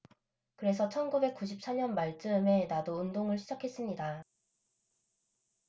그래서 천 구백 구십 사 년 말 즈음에 나도 운동을 시작했습니다